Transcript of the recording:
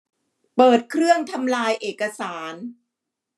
เปิดเครื่องทำลายเอกสาร